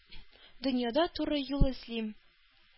— дөньяда туры юл эзлим,